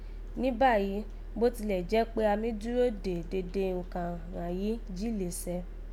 Ní báyìí, bó tilẹ̀ jẹ́ kpe a mí dúró de dede nkan ghàn yìí jí lè sẹ